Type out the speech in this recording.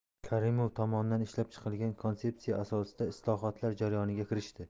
karimov tomonidan ishlab chiqilgan kontseptsiya asosida islohotlar jarayoniga kirishdi